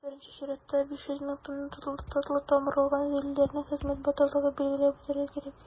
Монда, беренче чиратта, 500 мең тонна татлы тамыр алган зәйлеләрнең хезмәт батырлыгын билгеләп үтәргә кирәк.